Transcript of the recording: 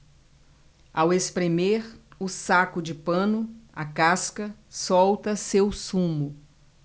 ao espremer o saco de pano a casca solta seu sumo